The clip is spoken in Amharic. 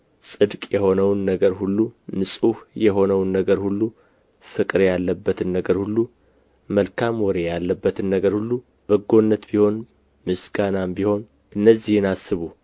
ጽድቅ የሆነውን ነገር ሁሉ ንጹሕ የሆነውን ነገር ሁሉ ፍቅር ያለበትን ነገር ሁሉ መልካም ወሬ ያለበትን ነገር ሁሉ በጎነት ቢሆን ምስጋናም ቢሆን እነዚህን አስቡ